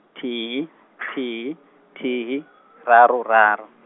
thihi, thihi, thihi, raru raru.